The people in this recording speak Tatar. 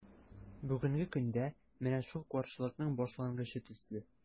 Бүгенге көндә – менә шул каршылыкның башлангычы төсле.